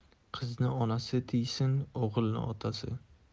qizni onasi tiysin o'g'ilni otasi